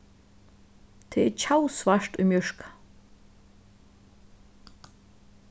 tað er kjaftsvart í mjørka